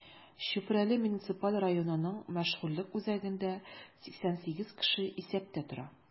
Чүпрәле муниципаль районының мәшгульлек үзәгендә 88 кеше исәптә тора.